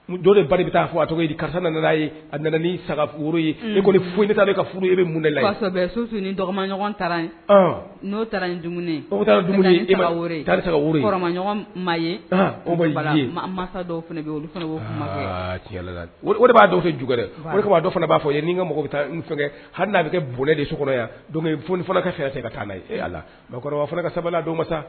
Taara n'o taara dɔw de b'a juɛrɛ fana b'a fɔ ye n mɔgɔ bɛ hali n'a bɛ kɛ boli de yan foni ka taa